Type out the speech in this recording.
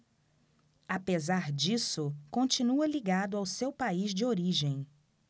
apesar disso continua ligado ao seu país de origem